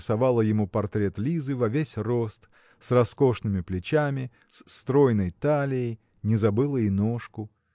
рисовало ему портрет Лизы во весь рост с роскошными плечами с стройной талией не забыло и ножку.